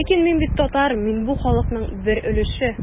Ләкин мин бит татар, мин бу халыкның бер өлеше.